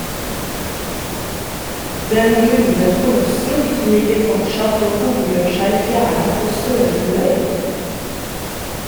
Den gule kolossen ligger fortsatt og godgjør seg i fjæra på Sørbuøy.